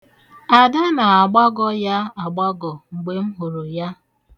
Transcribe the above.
Ada na-agbagọ ya agbagọ mgbe m hụrụ ya.